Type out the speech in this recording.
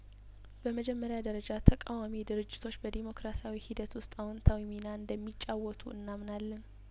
በመጀመሪያደረጃ ተቃዋሚ ድርጅቶች በዲሞክራሲያዊ ሂደት ውስጥ አዎንታዊ ሚና እንደሚጫወቱ እናምናለን